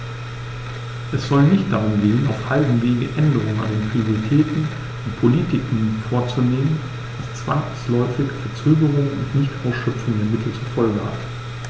Es sollte nicht darum gehen, auf halbem Wege Änderungen an den Prioritäten und Politiken vorzunehmen, was zwangsläufig Verzögerungen und Nichtausschöpfung der Mittel zur Folge hat.